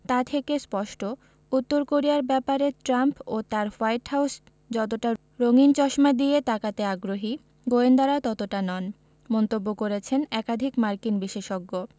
তা থেকে স্পষ্ট উত্তর কোরিয়ার ব্যাপারে ট্রাম্প ও তাঁর হোয়াইট হাউস যতটা রঙিন চশমা দিয়ে তাকাতে আগ্রহী গোয়েন্দারা ততটা নন মন্তব্য করেছেন একাধিক মার্কিন বিশেষজ্ঞ